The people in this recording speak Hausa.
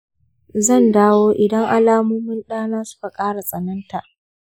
zan dawo idan alamomin ɗana suka ƙara tsananta.